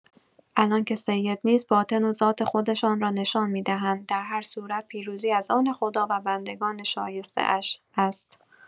الان که سید نیست باطن و ذات خودشان را نشان می‌دهند، در هر صورت پیروزی از آن خدا و بندگان شایسته‌اش است.